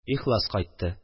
Ихлас кайтты